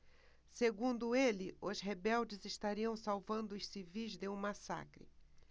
segundo ele os rebeldes estariam salvando os civis de um massacre